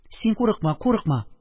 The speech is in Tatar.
Син курыкма, курыкма..